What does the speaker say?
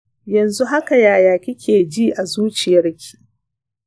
yanzu haka yaya kikeji a zuciyarki?